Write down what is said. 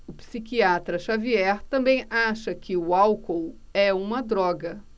o psiquiatra dartiu xavier também acha que o álcool é uma droga